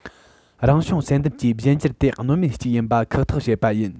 རང བྱུང བསལ འདེམས ཀྱིས གཞན འགྱུར དེ གནོད མེད ཅིག ཡིན པ ཁག ཐེག བྱེད པ ཡིན